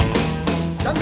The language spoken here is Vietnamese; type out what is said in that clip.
cho